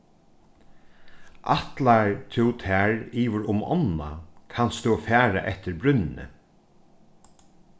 ætlar tú tær yvir um ánna kanst tú fara eftir brúnni